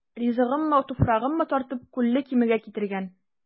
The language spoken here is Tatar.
Ризыгыммы, туфрагыммы тартып, Күлле Кимегә китергән.